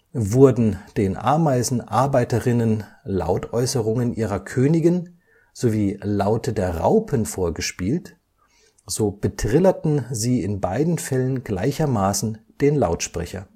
Wurden den Ameisen-Arbeiterinnen Lautäußerungen ihrer Königin sowie Laute der Raupen vorgespielt, so betrillerten sie in beiden Fällen gleichermaßen den Lautsprecher